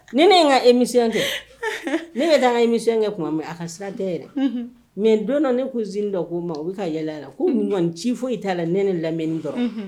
Ni ne n ka emisi kɛ ne bɛ dan ka emisiyɛn kɛ tuma a ka sira da yɛrɛ mɛ n don dɔ ne ko z dɔ k'o ma u bɛ ka yaa la' ɲɔgɔn ci foyi i t'a la ne ne lamɛnni dɔn